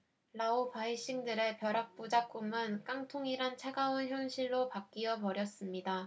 라오바이싱들의 벼락 부자 꿈은 깡통이란 차가운 현실로 바뀌어 버렸습니다